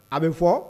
A bɛ fɔ